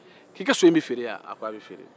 k'i ka so in be feere wa